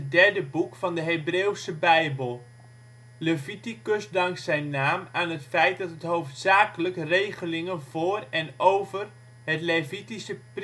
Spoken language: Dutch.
derde boek van de Hebreeuwse Bijbel. Leviticus dankt zijn naam aan het feit dat het hoofdzakelijk regelingen voor en over het Levitische